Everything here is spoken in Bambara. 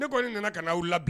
Ne kɔni nana kana na w la bi